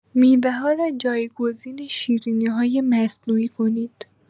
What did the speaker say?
میوه‌ها را جایگزین شیرینی‌های مصنوعی کنید.